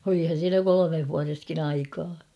olihan siinä kolmessa vuodessakin aikaa